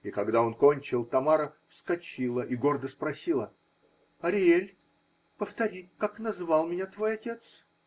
И когда он кончил, Тамара вскочила и гордо спросила: -- Ариэль, повтори, как назвал меня твой отец?